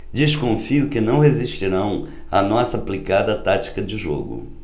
desconfio que não resistirão à nossa aplicada tática de jogo